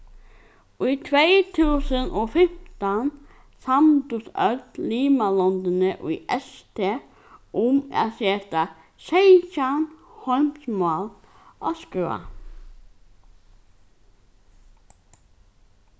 í tvey túsund og fimtan samdust øll limalondini í st um at seta seytjan heimsmál á skrá